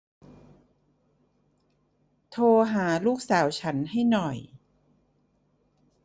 โทรหาลูกสาวฉันให้หน่อย